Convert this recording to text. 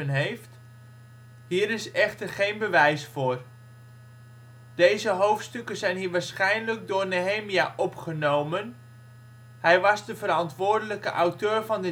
heeft; hier is echter geen bewijs voor. Deze hoofdstukken zijn hier waarschijnlijk door Nehemia opgenomen. Hij was de verantwoordelijke auteur van